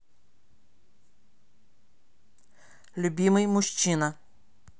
любимый мужчина